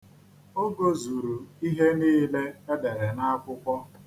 O gozuru ihe niile e dere n'akwụkwọ.